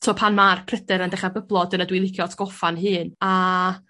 T'o' pan ma'r pryder yn dechra byblo dyna dwi licio atgoffa'n hun a